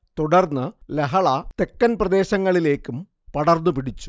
തുടർന്ന് ലഹള തെക്കൻ പ്രദേശങ്ങളിലേക്കും പടർന്നു പിടിച്ചു